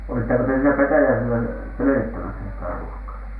olitteko te siinä Petäjäisellä selvittämässä sitä ruuhkaa